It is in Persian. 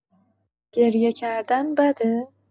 گریه‌کردن بده؟